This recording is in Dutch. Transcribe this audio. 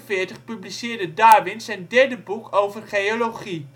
1846 publiceerde Darwin zijn derde boek over geologie